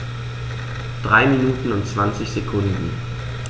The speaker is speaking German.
3 Minuten und 20 Sekunden